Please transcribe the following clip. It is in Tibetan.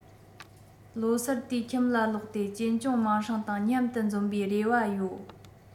ལོ གསར དུས ཁྱིམ ལ ལོགས ཏེ གཅེན གཅུང མིང སྲིང དང མཉམ དུ འཛོམས པའི རེ བ ཡོད